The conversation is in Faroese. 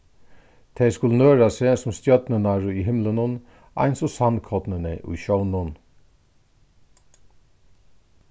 tey skulu nøra seg sum stjørnurnar í himlunum eins og sandkornini í sjónum